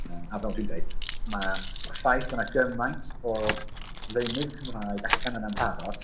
yy a fel dwi'n deud ma' y ffaith bod 'na gymaint o ddeunydd Cymraeg allan yna'n barod.